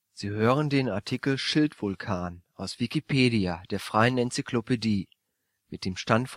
Sie hören den Artikel Schildvulkan, aus Wikipedia, der freien Enzyklopädie. Mit dem Stand